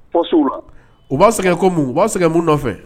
Poste la, u b'aw sɛgɛn ko mun? U b'a sɛgɛn mun nɔfɛ?